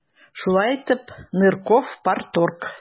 Шулай итеп, Нырков - парторг.